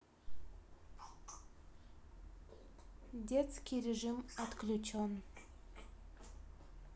детский режим отключен